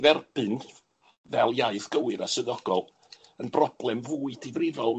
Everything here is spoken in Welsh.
dderbyn fel iaith gywir a swyddogol yn broblem fwy difrifol